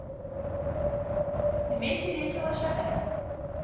вместе весело шагать